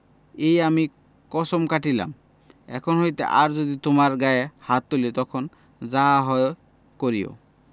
এই আমি কছম কাটিলাম এখন হইতে আর যদি তোমার গায়ে হাত তুলি তখন যাহা হয় করিও